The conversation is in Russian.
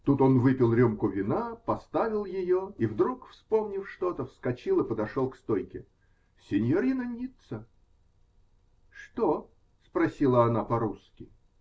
Тут он выпил рюмку вина, поставил ее и вдруг, вспомнив что-то, вскочил и подошел к стойке. -- Синьорина Ницца! -- Что? -- спросила она по-русски.